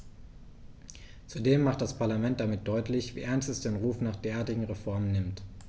Zudem macht das Parlament damit deutlich, wie ernst es den Ruf nach derartigen Reformen nimmt.